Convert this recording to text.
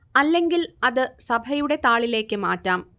അല്ലെങ്കിൽ അത് സഭയുടെ താളിലേക്ക് മാറ്റാം